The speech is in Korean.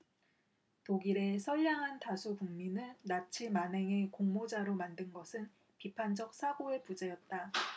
독일의 선량한 다수 국민을 나치 만행의 공모자로 만든 것은 비판적 사고의 부재였다